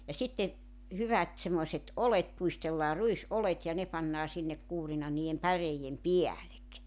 ja sitten hyvät semmoiset oljet pudistellaan ruisoljet ja ne pannaan sinne kuurina niiden päreiden päälle